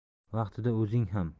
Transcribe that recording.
vaqtida o'zing ham